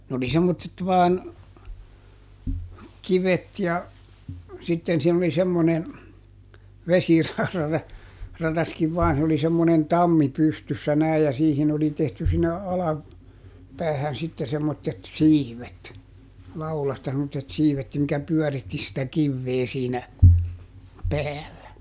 ne oli semmoiset vain kivet ja sitten siinä oli semmoinen - vesirataskin vain se oli semmoinen tammi pystyssä näin ja siihen oli tehty sinne - alapäähän sitten semmoiset siivet laudasta semmoiset siivet ja mikä pyöritti sitä kiveä siinä päällä